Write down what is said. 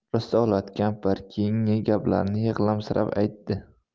risolat kampir keyingi gaplarini yig'lamsirab aytdi